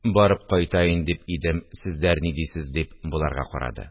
– барып кайтаен дип идем, сездәр ни дисез? – дип, боларга карады